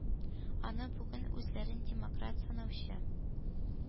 Аны бүген үзләрен демократ санаучы,